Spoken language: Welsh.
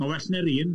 Ma' well na'r un.